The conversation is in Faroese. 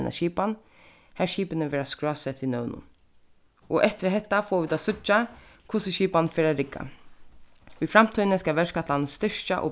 eina skipan har skipini verða skrásett við nøvnum og eftir hetta fáa vit at síggja hvussu skipanin fer at rigga í framtíðini skal verkætlanin styrkja og